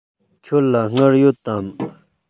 ཁྱོད ལ དངུལ ཡོད དམ